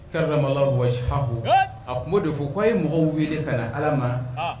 a tun bɛ o de fɔ ko a' ye mɔgɔw wele ka na Ala ma